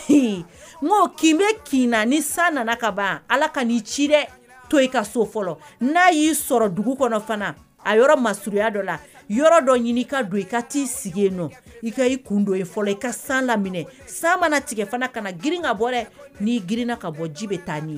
' bɛ kin na ni san nana ka ban ala ka' ci to i ka so n'a y'i sɔrɔ dugu kɔnɔ a maya dɔ la yɔrɔ dɔ ɲini don i ka'i sigi nɔ i ka i kundo fɔlɔ i ka san lam san mana tigɛ ka grin ka bɔ ni girinna ka bɔ ji bɛ taa